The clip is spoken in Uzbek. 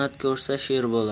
mehnat ko'rsa sher bo'lar